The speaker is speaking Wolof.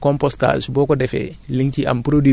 dinañ ko détaillé léegi ci kanam mais ñu jàpp ni daal